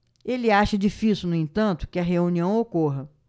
ele acha difícil no entanto que a reunião ocorra